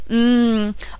...hmm.